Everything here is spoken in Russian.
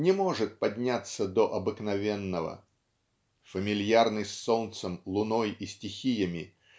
не может подняться до обыкновенного. Фамильярный с солнцем луной и стихиями